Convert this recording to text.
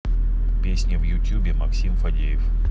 песня в ютубе максим фадеев